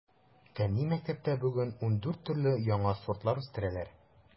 Фәнни мәктәптә бүген ундүрт төрле яңа сортлар үстерәләр.